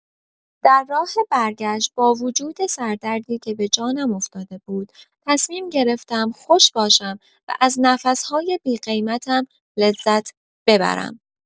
در راه برگشت با وجود سر دردی که به جانم افتاده بود تصمیم گرفتم خوش باشم و از نفس‌های بی قیمتم لذت ببرم.